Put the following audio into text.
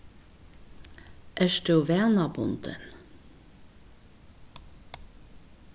ert tú vanabundin